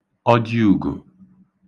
Ọjịùgò